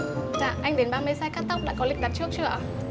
dạ anh đến ba mươi sai cắt tóc đã có lịch đặt trước chưa ạ